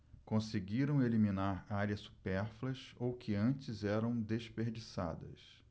conseguiram eliminar áreas supérfluas ou que antes eram desperdiçadas